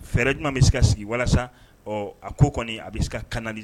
Fɛɛrɛ jumɛn bɛ se ka sigi walasa a ko kɔni a bɛ se ka kanali